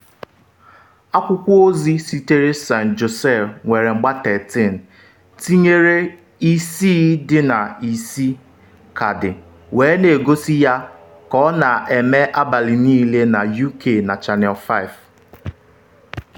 Akwụkwọ ozi sitere San Jose nwere mgba 13, tinyere isii dị na isi kaadị wee na-egosi ya ka ọ na-eme abalị niile na Uk na Channel 5.